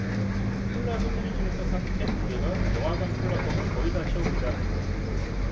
콜라도 편의점에서 산 캔 두 개가 영화관 콜라 컵을 거의 다 채웁니다